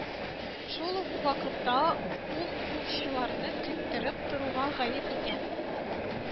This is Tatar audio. Шул ук вакытта ул юлчыларны көттереп торуны гаеп итә